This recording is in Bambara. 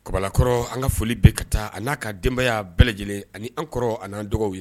Kɔbalakɔrɔ an ka foli bi ka taa a na ka denbaya bɛɛ lajɛlen ani an kɔrɔ ani an dɔgɔ ye.